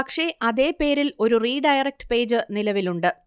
പക്ഷെ അതേ പേരിൽ ഒരു റീഡയറക്ട് പേജ് നിലവിൽ ഉണ്ട്